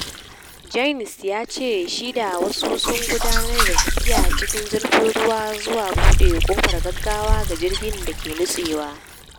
Jaynes ya ce shi da wasu sun gudanar da tafiya cikin zurfin ruwa zuwa bude kofar gaggawa ga jirgin dake nutsewa.